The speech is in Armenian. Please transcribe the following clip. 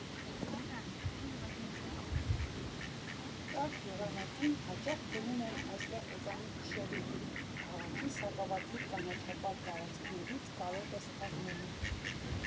Տաք եղանակին հաճախ գնում եմ այստեղ հեծանիվ քշելու ու քաղաքի սակավաթիվ կանաչապատ տարածքներից կարոտս առնելու։